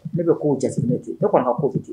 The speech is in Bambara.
Ne bɛ k ko jate ne ten ne kɔni ka ko tɛ ten